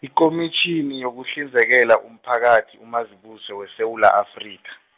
iKomitjhini yokuhlinzekela umphakathi uMazibuse weSewula Afrika.